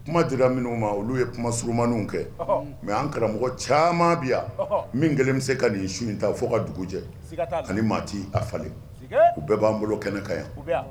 Kuma jira minnu ma olu ye kuma smani kɛ mɛ an karamɔgɔ caman bi yan min kɛlen bɛ se ka nin su in ta fo ka dugu jɛ ani maati a fa u bɛɛ b'an bolo kɛnɛ ka yan